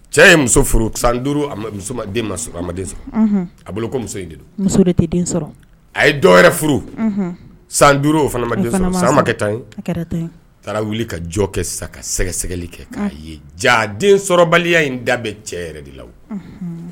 Cɛ ye muso furu san ma a ma sɔrɔ a bolo muso in muso den sɔrɔ a ye dɔw furu san duuru o fana ma san tan taara wuli ka jɔ kɛ sa ka sɛgɛsɛgɛli kɛ k'a ye ja densɔrɔbaliya in da cɛ de la